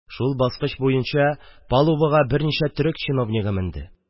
Шул баскыч буенча палубага берничә төрек чиновнигы менде.